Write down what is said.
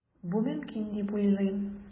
Бу мөмкин дип уйлыйм.